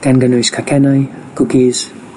gan gynnwys cacennau, cwcis,